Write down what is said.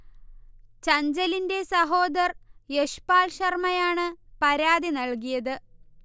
ചഞ്ചലിന്റെ സഹോദർ യശ്പാൽ ശർമ്മയാണ് പരാതി നൽകിയത്